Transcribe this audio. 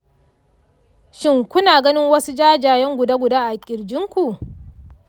shin kun ga wasu jajayen ɗugu ɗugu a kirjinku?